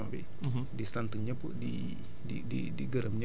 ak yeneen services agricultures yu nekk ci région bi